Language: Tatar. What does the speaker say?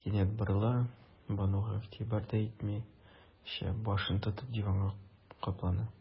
Кинәт борыла, Бануга игътибар да итмичә, башын тотып, диванга каплана.